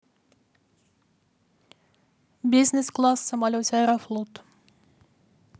бизнес класс в самолете аэрофлот